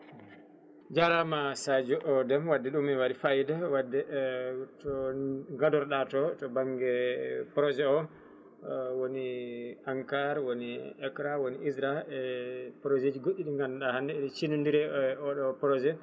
jarama Sadio Déme wadde ɗum ne wavi fayida wadde to gadoriɗa to to banggue projet o woni ENCAR woni AICCRA woni ISRA e projet ji goɗɗi ɗi ganduɗa hande ene cinodire e oɗo projet